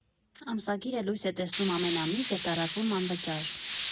Ամսագիրը լույս է տեսնում ամեն ամիս և տարածվում անվճար։